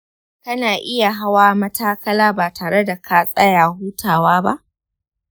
kana iya hawa matakala ba tare da ka tsaya hutawa ba?